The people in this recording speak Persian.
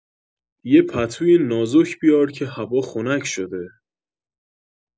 یه پتوی نازک بیار که هوا خنک شده